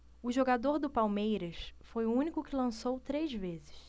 o jogador do palmeiras foi o único que lançou três vezes